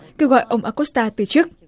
kêu gọi ông a cốt ta từ chức